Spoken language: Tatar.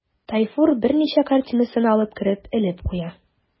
Тайфур берничә картинасын алып кереп элеп куя.